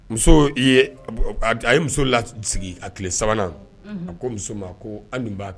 Muso i yɛ, a ye muso lasigi a tile 3 nan a ko muso ma ko Ami b'aa